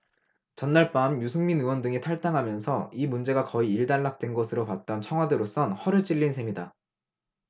전날 밤 유승민 의원 등이 탈당하면서 이 문제가 거의 일단락된 것으로 봤던 청와대로선 허를 찔린 셈이다